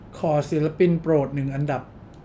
ขอศิลปินโปรดหนึ่งอันดับ